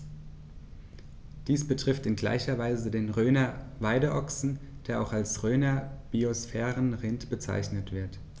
Dies betrifft in gleicher Weise den Rhöner Weideochsen, der auch als Rhöner Biosphärenrind bezeichnet wird.